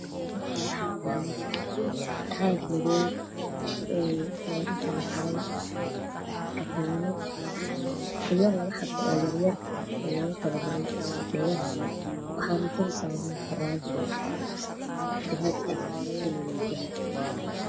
Meeshaan waxaa yaala caag madow waxaa kala oo yaalo dhagdhago iyo faraanti kartoon gaduud ah ku dhex jira